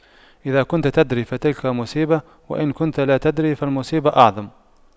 إذا كنت تدري فتلك مصيبة وإن كنت لا تدري فالمصيبة أعظم